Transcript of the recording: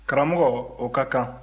karamɔgɔ o ka kan